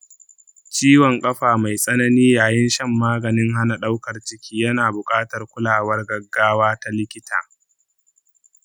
ciwon ƙafa mai tsanani yayin shan maganin hana ɗaukar ciki yana buƙatar kulawar gaggawa ta likita.